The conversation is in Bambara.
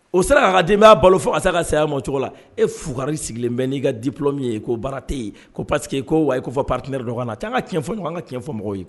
O sera k'a ka denbaya balo fo ka s'a ka saya ma o cogo la, e fugari sigilen bɛ n'i ka diplôome ye ko baara tɛ yen, ko parce que ko ouai ko fo partenaire yɛrɛ dɔ ka na cɛ an ka tiɲɛfɔ ɲɔgɔn ye ka tiɲɛ fɔ mɔgɔw ye